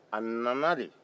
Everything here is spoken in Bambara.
a nana de